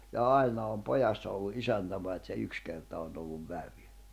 ja aina on pojassa ollut isäntä paitsi se yksi kerta on ollut vävy